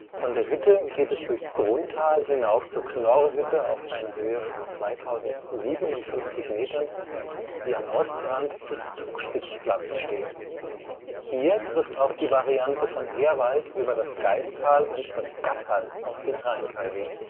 Von der Hütte geht es durchs Brunntal hinauf zur Knorrhütte (2057 m), die am Ostrand des Zugspitzplatts steht. Hier trifft auch die Variante von Ehrwald über das Gaistal und das Gatterl auf den Reintalweg